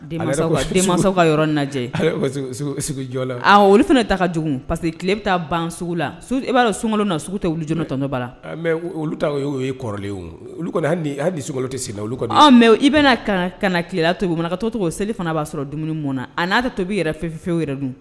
Masaw ka yɔrɔ lajɛ la olu fana ta ka jugu pa parce que tile bɛ taa ban sugu la b'a dɔn so na sugu tɛluj tɔɔnɔba la olu kɔrɔlen sogo tɛ seli olu kɔnɔ mɛ i bɛna ka ka na tileleya to ka to to seli fana b'a sɔrɔ dumuni mɔn na a n'a tɔ tobi yɛrɛfew yɛrɛ dun